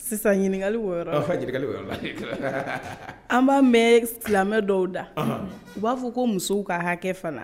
Sisan ɲinikali b'o yɔrɔ la ,ɲinikali b'o yɔrɔ la, an b'a mɛn silamɛmɛ dɔw da u b'a fɔ ko musow ka hakɛ fana